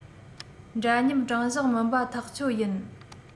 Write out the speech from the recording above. འདྲ མཉམ དྲང གཞག མིན པ ཐག ཆོད ཡིན